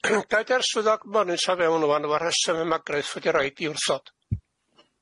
Ga'i de'r swyddog fonitro fewn rŵan efo rheswm y ma Griff di roid i wrthod.